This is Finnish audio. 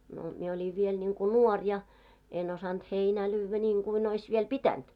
no minä olin vielä niin kuin nuori ja en osannut heinää lyödä niin kuin olisi vielä pitänyt